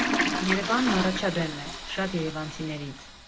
Երևանն առաջադեմ է (շատ երևանցիներից)։